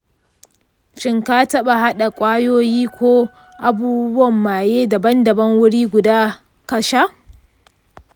shin ka taɓa haɗa ƙwayoyi ko abubuwan maye daban-daban wuri guda ka sha?